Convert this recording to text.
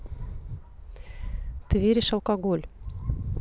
ты веришь алкоголь